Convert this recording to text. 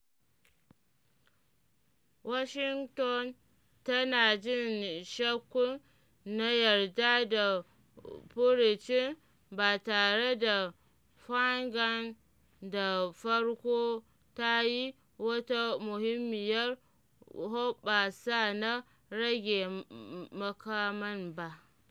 Washington tana jin shakkun na yarda da furucin ba tare da Pyongyang da farko ta yi wata muhimmiyar hoɓɓasa na rage makaman ba.